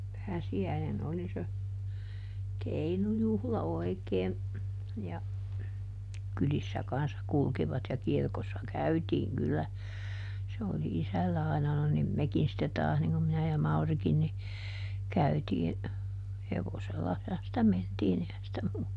pääsiäinen oli se keinujuhla oikein ja kylissä kanssa kulkivat ja kirkossa käytiin kyllä se oli isällä aina no niin mekin sitten taas niin kuin minä ja Maurikin niin käytiin hevosellahan sitä mentiin eihän sitä muulla